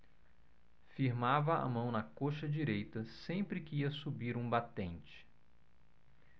firmava a mão na coxa direita sempre que ia subir um batente